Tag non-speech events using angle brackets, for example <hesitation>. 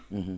<hesitation> <hesitation>